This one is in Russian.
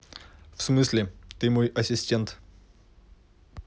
в смысле ты мой ассистент